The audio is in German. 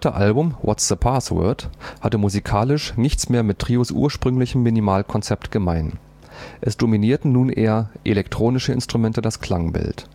Album „ Whats the Password “hatte musikalisch nichts mehr mit Trios ursprünglichem Minimal-Konzept gemein. Es dominierten nun eher elektronische Instrumente das Klangbild